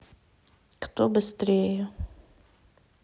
кто быстрее